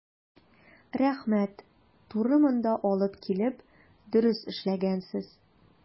Рәхмәт, туры монда алып килеп дөрес эшләгәнсез.